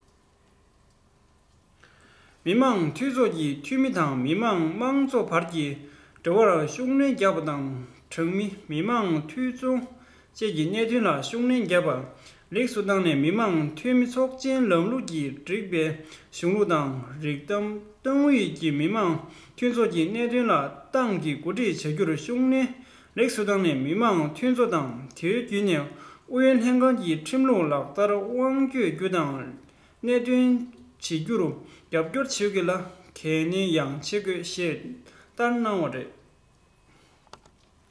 མི དམངས འཐུས ཚོགས ཀྱི འཐུས མི དང མི དམངས མང ཚོགས དབར གྱི འབྲེལ བར ཤུགས སྣོན རྒྱག པ དང སྦྲགས མི དམངས འཐུས ཚོགས ཀྱི ལས དོན ལ ཤུགས སྣོན རྒྱག པ དང ལེགས སུ བཏང ནས མི དམངས འཐུས མི ཚོགས ཆེན ལམ ལུགས ཀྱི རིགས པའི གཞུང ལུགས དང རིམ ཁག ཏང ཨུད ཀྱིས མི དམངས འཐུས ཚོགས ཀྱི ལས དོན ལ ཏང གིས འགོ ཁྲིད བྱ རྒྱུར ཤུགས སྣོན དང ལེགས སུ བཏང ནས མི དམངས འཐུས ཚོགས དང དེའི རྒྱུན ལས ཨུ ཡོན ལྷན ཁང གིས ཁྲིམས ལུགས ལྟར འགན དབང སྤྱོད རྒྱུ དང ལས དོན སྤེལ རྒྱུར རྒྱབ སྐྱོར བྱེད དགོས ལ འགན ལེན ཡང བྱེད དགོས ཞེས བསྟན གནང བ རེད